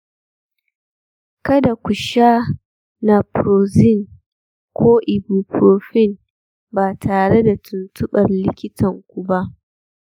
kada ku sha naproxen ko ibuprofen ba tare da tuntuɓar likitan ku ba.